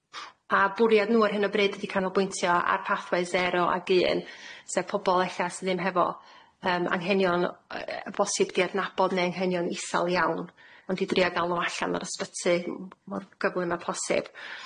A bwriad nw ar hyn o bryd ydi canolbwyntio ar pathway sero ag un sef pobol ella sy ddim hefo yym anghenion y- o bosib di adnabod ne' anghenion isal iawn ond i dria ga'l nw allan yr ysbyty m- mor gyflym â posib.